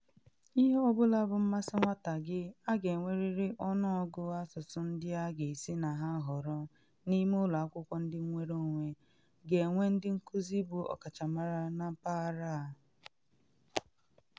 Ihe ọ bụla bụ mmasị nwata gị, a ga-enwerịrị ọnụọgụ asụsụ ndị a ga-esi na ha họrọ n’ime ụlọ akwụkwọ ndị nnwere onwe, ga-enwe ndị nkuzi bụ ọkachamara na mpaghara a.